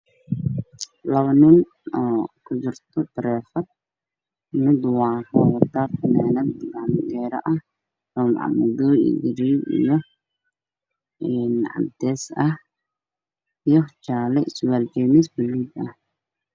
Waa nin dul taagan arday ardayga wuxuu qabaa saaka cadaan ah ninkana wuxuu qabaa fanaanad miilkii yahay gaalo madow iyo dhammaad